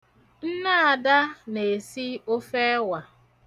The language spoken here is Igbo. Nne Ada na-esi ofe ẹwa.